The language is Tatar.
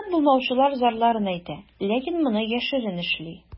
Канәгать булмаучылар зарларын әйтә, ләкин моны яшерен эшли.